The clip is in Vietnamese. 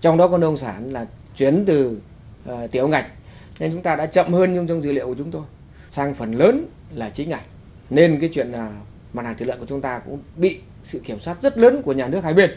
trong đó có nông sản là chuyển từ tiểu ngạch nhưng chúng ta đã chậm hơn nhưng trong dữ liệu của chúng tôi sang phần lớn là chính ngạch nên cái chuyện là mặt hàng thịt lợn của chúng ta cũng bị sự kiểm soát rất lớn của nhà nước hai bên